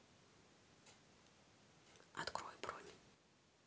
открой бронь